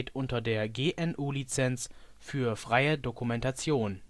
unter der GNU Lizenz für freie Dokumentation